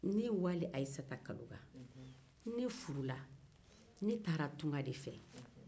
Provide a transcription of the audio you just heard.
ne wali ayisata kaloga ne furula ne taara tugan de fɛ